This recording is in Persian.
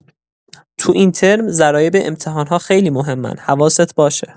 تو این ترم، ضرایب امتحان‌ها خیلی مهمن؛ حواست باشه!